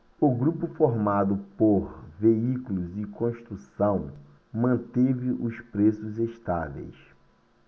o grupo formado por veículos e construção manteve os preços estáveis